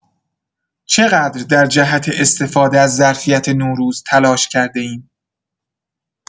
چقدر در جهت استفاده از ظرفیت نوروز تلاش کرده‌ایم؟